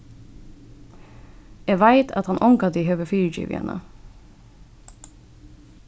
eg veit at hann ongantíð hevði fyrigivið henni